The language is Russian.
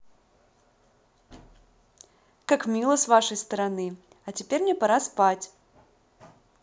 как мило с вашей стороны а теперь мне пора спать